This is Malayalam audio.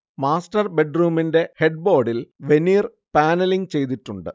മാസ്റ്റർ ബെഡ്റൂമിന്റെ ഹെഡ് ബോർഡിൽ വെനീർ പാനലിങ് ചെയ്തിട്ടുണ്ട്